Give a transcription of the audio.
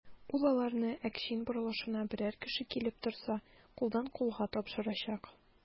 Ул аларны Әкчин борылышына берәр кеше килеп торса, кулдан-кулга тапшырачак.